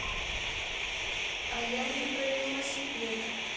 а я не про велосипед